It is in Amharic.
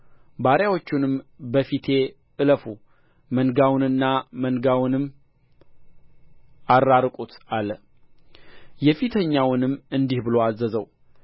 ባሪያዎቹንም በፊቴ እለፉ መንጋውንና መንጋውንም አራርቁት አለ የፊተኛውንም እንዲህ ብሎ አዘዘው